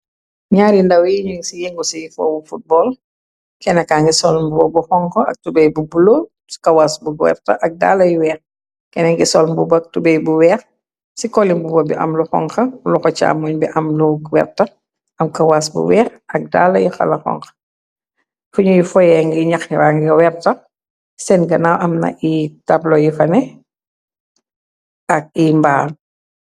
Nyaar yi ndawi ñun ci yëngu ci foobu footbal kennka ngi solmb bo bu xonk. Ak tubey bu bulo u kawaas bu gwerta. Ak daala y weex kene ngi solm bubak tubey bu weex ci kolimbubo bi. Am lu xonka loxo cammuñ bi am lu wertax. Am kawas bu weex ak daala yu xala xonk. Fuñuy foye ngi ñaxrang wertax. Seen ganaaw amna iy tablo yi fane ak iy mbaal.